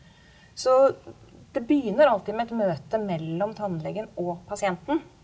så det begynner alltid med et møte mellom tannlegen og pasienten.